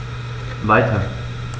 Weiter.